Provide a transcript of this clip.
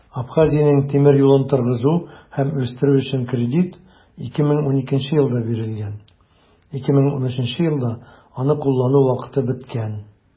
Абхазиянең тимер юлын торгызу һәм үстерү өчен кредит 2012 елда бирелгән, 2013 елда аны куллану вакыты беткән.